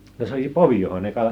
no se oli se povi johon ne kalat